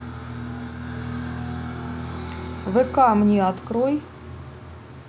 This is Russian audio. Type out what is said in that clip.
вк мне открой